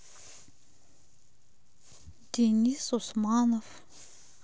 денис усманов